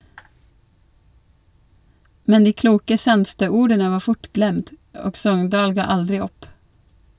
Men de kloke Sandstø-ordene var fort glemt, og Sogndal ga aldri opp.